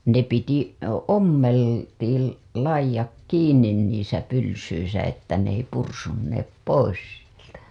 ne piti - ommeltiin laidat kiinni niissä pylsyissä että ne ei pursuneet pois sieltä